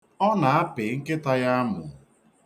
Ọ na-apị nkịta ya amụ.